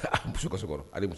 Musoka